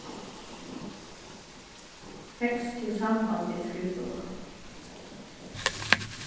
fekst tú samband við skrivstovuna